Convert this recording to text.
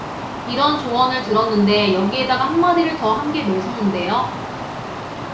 이런 조언을 들었는데 여기에다가 한마디를 더 한 게 매서운데요